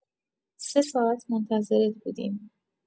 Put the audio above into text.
سه ساعت منتظرت بودیم.